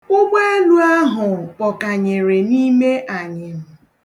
Ụgbọelu ahụ kpọkanyere n'ime anyịm.